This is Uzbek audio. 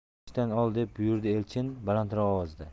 chakishdan ol deb buyurdi elchin balandroq ovozda